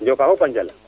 njoka fopa njal